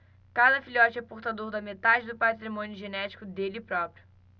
cada filhote é portador da metade do patrimônio genético dele próprio